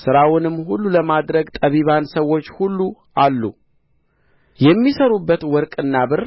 ሥራውንም ሁሉ ለማድረግ ጠቢባን ሰዎች ሁሉ አሉ የሚሠሩበት ወርቅና ብር